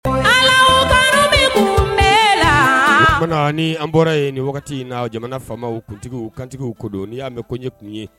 O kuma na ni an bɔra yen ni wagati in na jamana famaw kuntigi kanitigiw ko don. Ni ya mɛn ko n ye kun ye